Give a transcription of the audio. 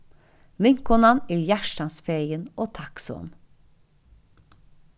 vinkonan er hjartans fegin og takksom